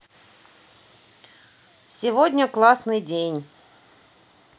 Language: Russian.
сегодня классный день